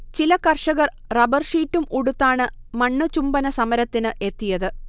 ചില കർഷകർ റബ്ബർഷീറ്റും ഉടുത്താണ് മണ്ണ് ചുംബന സമരത്തിന് എത്തിയത്